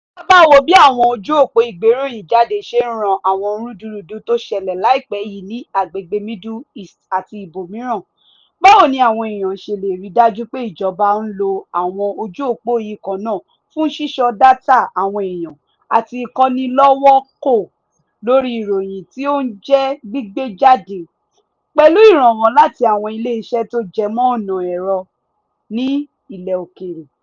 Bí a bá wo bí àwọn ojú òpó ìgberòyìn jáde ṣe rán àwọn rúdurùdu tó ṣẹlẹ̀ laipe yii ní agbègbè Middle East àti ibòmíràn, báwo ni àwọn èèyàn ṣe lè rí dájú pé ìjọba ò lo àwọn ojú òpó yìí kan náà fún ṣíṣọ́ dátà àwọn èèyàn àti ìkánilọ́wọ́kò lórí ìròyìn tí ó ń jẹ́ gbígbé jáde (pẹ̀lú ìrànwọ́ láti àwọn Ileeṣẹ́ tó jẹmọ ọ̀nà ẹ̀rọ ní ilẹ̀ òkèèrè)?